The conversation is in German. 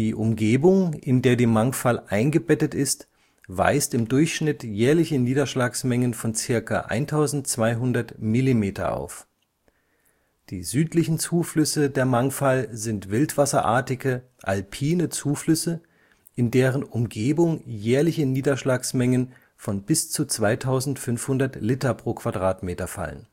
Umgebung, in der die Mangfall eingebettet ist, weist im Durchschnitt jährliche Niederschlagsmengen von ca. 1200 mm auf. Die südlichen Zuflüsse der Mangfall sind wildwasserartige, alpine Zuflüsse, in deren Umgebung jährliche Niederschlagsmengen von bis zu 2500 Liter pro m² fallen